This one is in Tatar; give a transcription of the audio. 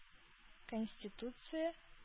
Конституция